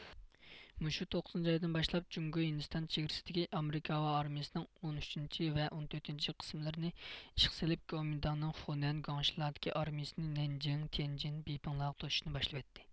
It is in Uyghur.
مۇشۇ توققۇزىنچى ئايدىن باشلاپ جۇڭگو ھىندىستان چېگرىسىدىكى ئامېرىكا ھاۋا ئارمىيىسىنىڭ ئون ئۈچىنچى ۋە ئون تۆتىنچى قىسىملىرىنى ئىشقا سېلىپ گومىنداڭنىڭ خۇنەن گۇاڭشىلاردىكى ئارمىيىسىنى نەنجىڭ تيەنجىن بېيپىڭلارغا توشۇشنى باشلىۋەتتى